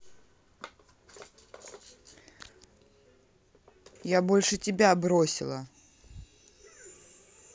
я больше тебя бросила